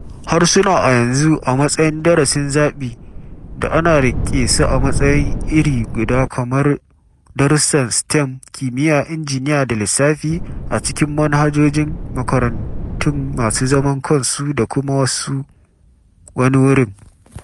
Harsuna a yanzu, a matsayin darasin zaɓi, ana riƙe su a matsayi iri guda kamar darussan STEM (kimiyya, injiniya da lissafi) a cikin manhajojin makarantun masu zaman kansu da kuma wasu wani wurin.